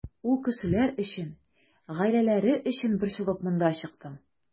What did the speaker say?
Ул кешеләр өчен, гаиләләре өчен борчылып монда чыктым.